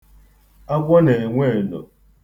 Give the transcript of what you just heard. Agwọ na-enwe eno.